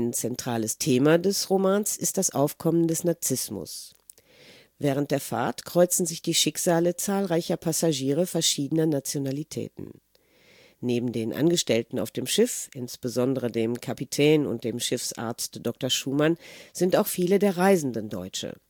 zentrales Thema des Romans ist das Aufkommen des Nazismus. Während der Fahrt kreuzen sich die Schicksale zahlreicher Passagiere verschiedener Nationalitäten. Neben den Angestellten auf dem Schiff, insbesondere dem Kapitän und dem Schiffsarzt Dr. Schumann, sind auch viele der Reisenden Deutsche